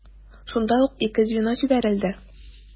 Шунда ук ике звено җибәрелде.